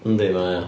Yndi mae o.